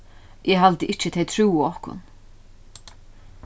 eg haldi ikki tey trúðu okkum